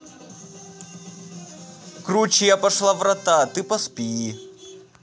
круче я пошла врата ты поспи